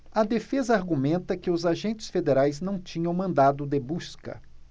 a defesa argumenta que os agentes federais não tinham mandado de busca